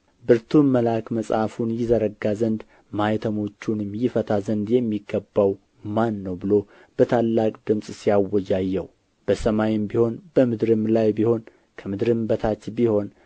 ብርቱም መልአክ መጽሐፉን ይዘረጋ ዘንድ ማኅተሞቹንም ይፈታ ዘንድ የሚገባው ማን ነው ብሎ በታላቅ ድምፅ ሲያውጅ አየሁ በሰማይም ቢሆን በምድርም ላይ ቢሆን ከምድርም በታች ቢሆን